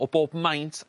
o bob maint